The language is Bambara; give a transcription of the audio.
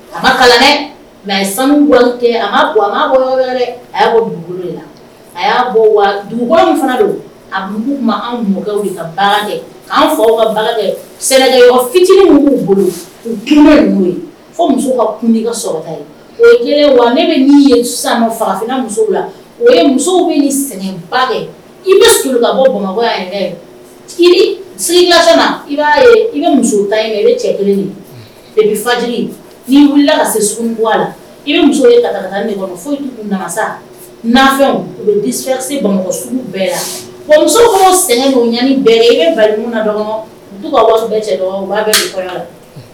A kalan nka sanu a a'a dugu don a anw mɔ ka an fa ka fitinin'u bolou ka kun wa nei ye san fafin musow o muso bɛ ni i bɛ soka bɔ bamakɔ i b' i bɛ ta i bɛ cɛ kelen bɛ faj n wili se la i bɛ muso fomasa se bamakɔ bɛɛ la musow sɛgɛn ɲani bɛɛ ye i bɛ bɛ la